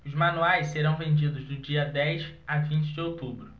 os manuais serão vendidos do dia dez a vinte de outubro